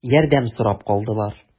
Ярдәм сорап калдылар.